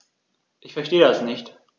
Ich verstehe das nicht.